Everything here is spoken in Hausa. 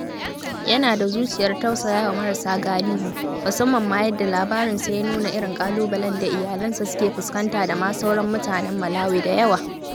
Yana da zuciyar tausaya wa marasa galiho, musamman ma yadda labarinsa ya nuna irin ƙalubalen da iyalansa suke fuskanta da ma sauran mutanen Malawi da yawa.